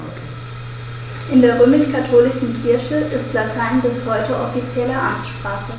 In der römisch-katholischen Kirche ist Latein bis heute offizielle Amtssprache.